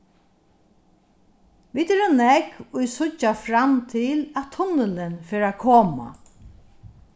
vit eru nógv ið síggja fram til at tunnilin fer at koma